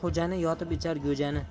yotib ichar go'jani